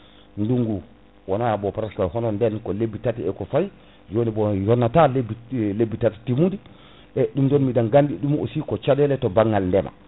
nduggu wona ²bon presque hono nden ko lebbi tati eko fawi joni bon yonata lebbi libbi tati timmuɗi ɗum joni biɗen gandi ɗum aussi ko caɗele to banggal ndeema